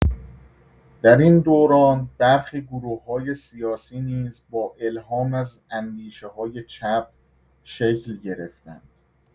در این دوران برخی گروه‌های سیاسی نیز با الهام از اندیشه‌های چپ شکل گرفتند.